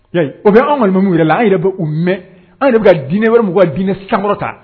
Ya o bɛ anw amadu bɛ minnu yɛrɛ la an yɛrɛ bɛ u mɛn anw yɛrɛ bɛ ka dinɛ wɛrɛ mɔgɔ ka dinɛ samakɔrɔ ta